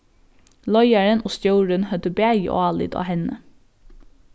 leiðarin og stjórin høvdu bæði álit á henni